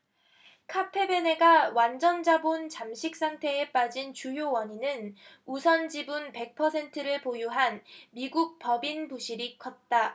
카페베네가 완전자본잠식 상태에 빠진 주요 원인은 우선 지분 백 퍼센트를 보유한 미국법인 부실이 컸다